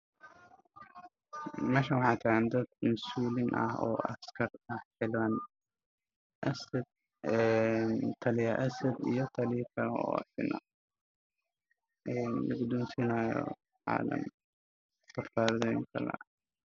Waxaa islaayaanna calanka calanka noociisa waa buluug